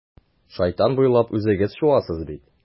Шайтан буйлап үзегез шуасыз бит.